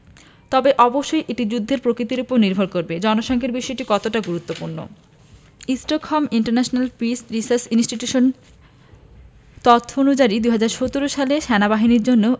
তবে অবশ্যই এটি যুদ্ধের প্রকৃতির ওপর নির্ভর করবে জনসংখ্যার বিষয়টি কতটা গুরুত্বপূর্ণ স্টকহোম ইন্টারন্যাশনাল পিস রিসার্চ ইনস্টিটিউটের তথ্য অনুযায়ী ২০১৭ সালে সেনাবাহিনীর জন্য